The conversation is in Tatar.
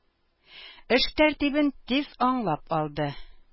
Эш тәртибен тиз аңлап алды.